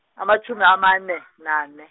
amatjhumi amane, nane.